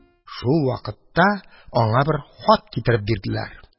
Шул вакытта аңа бер хат китереп бирделәр.